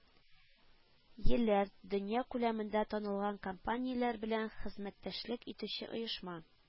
Еләр, дөнья күләмендә танылган компанияләр белән хезмәттәшлек итүче оешма